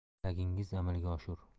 tilagingiz amalga oshur